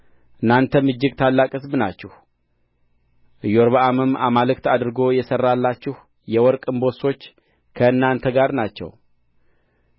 እናንተም እጅግ ታላቅ ሕዝብ ናችሁ ኢዮርብዓምም አማልክት አድርጎ የሠራላችሁ የወርቅ እምቦሶች ከእናንተ ጋር ናቸው